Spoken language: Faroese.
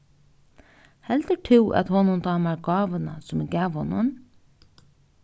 heldur tú at honum dámar gávuna sum eg gav honum